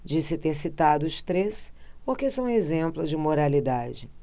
disse ter citado os três porque são exemplos de moralidade